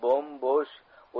bo'm bo'sh